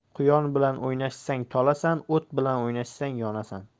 quyon bilan o'ynashsang tolasan o't bilan o'ynashsang yonasan